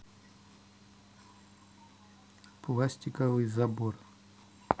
пластиковый забор